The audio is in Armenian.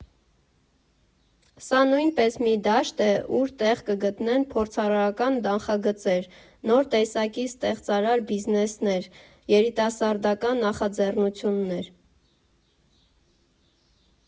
Սա նույնպես մի դաշտ է, ուր տեղ կգտնեն փորձառարական նախագծեր, նոր տեսակի ստեղծարար բիզնեսներ, երիտասարդական նախաձեռնություններ։